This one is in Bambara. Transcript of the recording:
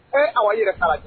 Ee awa i yɛrɛ kala